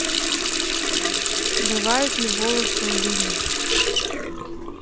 бывают ли волосы убери